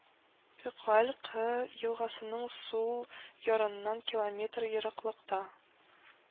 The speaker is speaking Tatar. Пякаль-Кы елгасының сул ярыннан километр ераклыкта